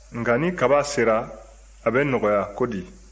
nka kaba sera a bɛ nɔgɔya ko di